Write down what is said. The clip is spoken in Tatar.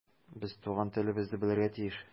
Без туган телебезне белергә тиеш.